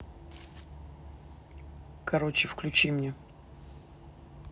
короче включи мне